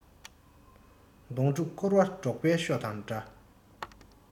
གདོང དྲུག འཁོར བ འབྲོག པའི ཤོ དང འདྲ